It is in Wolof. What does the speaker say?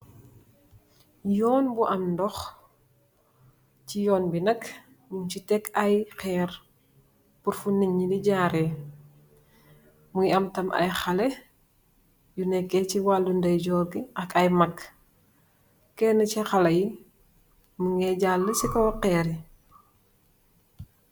Yoon bu am dox, ci yoon bi nak nyun si takk ay xeer, pur fu ninyi de jaree, mingi am tamit ay xale, yu nekk si walu ndayjor ge ak ay mag, kene si xale yi mingi jale si kaw xar yi,